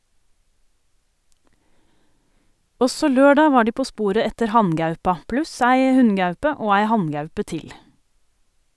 Også lørdag var de på sporet etter hanngaupa, pluss ei hunngaupe og ei hanngaupe til.